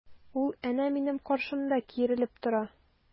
Ул әнә минем каршыда киерелеп тора!